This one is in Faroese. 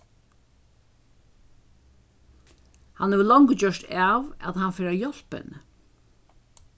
hann hevur longu gjørt av at hann fer at hjálpa henni